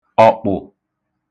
ọ̀kpụ̀